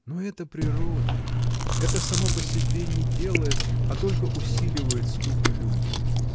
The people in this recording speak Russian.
Но это природа: это само по себе не делает, а только усиливает скуку людям.